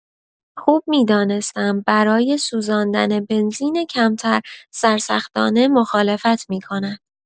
خوب می‌دانستم برای سوزاندن بنزین کمتر سرسختانه مخالفت می‌کند.